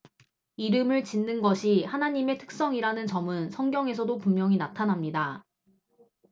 이름을 짓는 것이 하느님의 특성이라는 점은 성경에서도 분명히 나타납니다